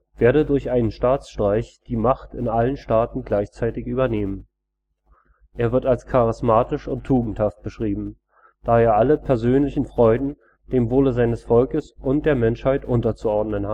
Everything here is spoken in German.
werde durch einen Staatsstreich die Macht in allen Staaten gleichzeitig übernehmen. Er wird als charismatisch und tugendhaft beschrieben, da er alle „ persönlichen Freuden dem Wohle seines Volkes und der Menschheit “unterzuordnen